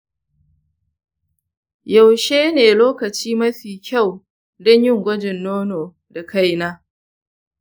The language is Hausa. yaushe ne lokaci mafi kyau don yin gwajin nono da kaina?